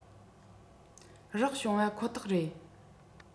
རག བྱུང པ ཁོ ཐག རེད